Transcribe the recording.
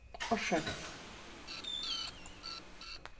orsaka